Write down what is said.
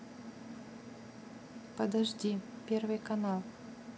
подожди первый канал